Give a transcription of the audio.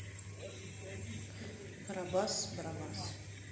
карабас барабас